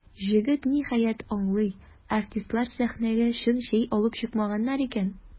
Җегет, ниһаять, аңлый: артистлар сәхнәгә чын чәй алып чыкмаганнар икән.